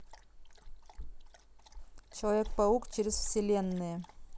человек паук через вселенные